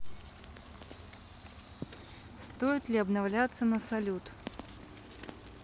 стоит ли обновляться на салют